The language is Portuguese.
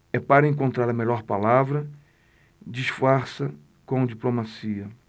é para encontrar a melhor palavra disfarça com diplomacia